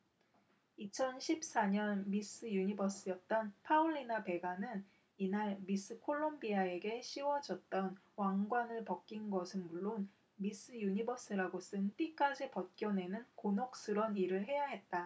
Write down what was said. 이천 십 사 년 미스 유니버스였던 파울리나 베가는 이날 미스 콜롬비아에게 씌워줬던 왕관을 벗긴 것은 물론 미스 유니버스라고 쓴 띠까지 벗겨내는 곤혹스런 일을 해야 했다